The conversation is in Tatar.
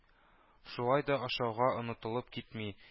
Шулай да ашауга онытылып китми